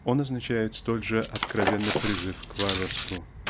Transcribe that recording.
он означает столь же откровенный призыв к варварству.